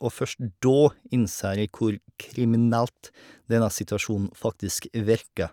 Og først da innser jeg hvor kriminelt denne situasjonen faktisk virker.